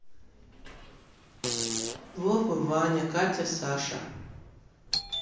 вова ваня катя саша